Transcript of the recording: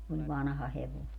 niin vanha hevonen